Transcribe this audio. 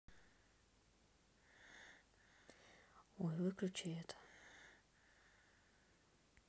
ой выключи это